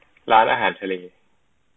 ร้านอาหารทะเล